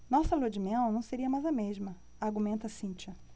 nossa lua-de-mel não seria mais a mesma argumenta cíntia